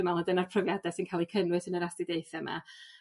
Dwi me'wl y dyna'r profiade sy'n ca'l 'u cynnwys yn yr astudiaethe 'ma.